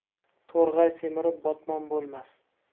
to'rg'ay semirib botmon bo'lmas